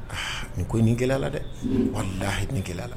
Aa nin ko nin gɛlɛya la dɛ wala lah ni gɛlɛyala